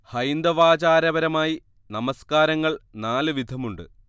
ഹൈന്ദവാചാരപരമായി നമസ്കാരങ്ങൾ നാല് വിധമുണ്ട്